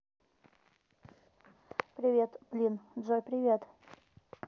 привет блин джой привет